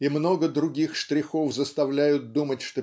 и много других штрихов заставляют думать